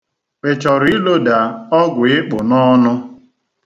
Ị chọrọ iloda ọgwụ ị kpụ n'ọnụ?